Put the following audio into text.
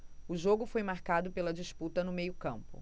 o jogo foi marcado pela disputa no meio campo